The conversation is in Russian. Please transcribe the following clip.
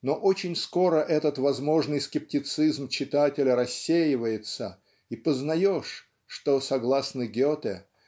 но очень скоро этот возможный скептицизм читателя рассеивается и познаешь что согласно Гете